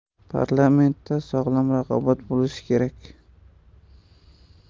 parlamentda sog'lom raqobat bo'lishi kerak